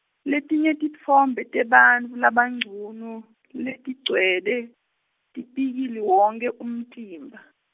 letinye titfombe tebantfu labangcunu, letigcwele, tipikili wonkhe umtimba.